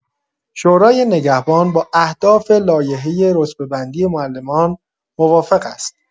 شورای نگهبان با اهداف لایحه رتبه‌بندی معلمان موافق است.